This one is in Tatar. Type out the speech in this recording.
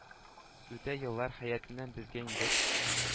Үтә еллар... Хәятыннан бизгән инде..